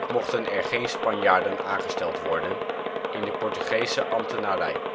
mochten er geen Spanjaarden aangesteld worden in de Portugese ambtenarij